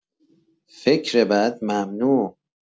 فکر بد ممنوع!